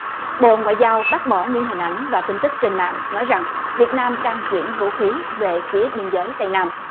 bộ ngoại giao bác bỏ những hình ảnh và tin tức trên mạng nói rằng việt nam đang chuyển vũ khí về phía biên giới tây nam